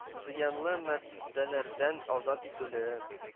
Зыянлы матдәләрдән азат ителүе